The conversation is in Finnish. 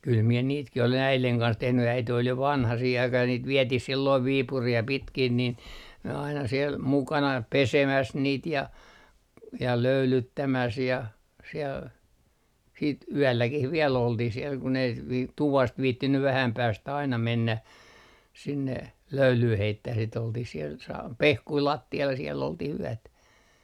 kyllä minä niitäkin olen äidin kanssa tehnyt äiti oli jo vanha siihen aikaan ja niitä vietiin silloin Viipuriin ja pitkin niin - aina siellä mukana pesemässä niitä ja ja löylyttämässä ja siellä sitten yölläkin vielä oltiin siellä kun ei - tuvasta viitsinyt vähän päästä aina mennä sinne löylyä heittämään sitä oltiin siellä - pehkuja lattialla ja siellä oltiin yötä